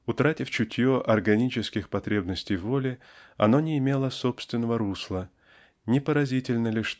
Утратив чутье органических потребностей воли оно не имело собственного русла. Не поразительно ли